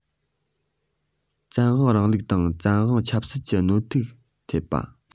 བཙན དབང རིང ལུགས དང བཙན དབང ཆབ སྲིད ཀྱི གནོན ཤུགས ཐེག པ